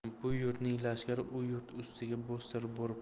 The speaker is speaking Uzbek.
bu yurtning lashkari u yurt ustiga bostirib boribdi